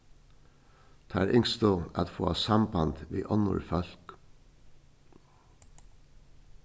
teir ynsktu at fáa samband við onnur fólk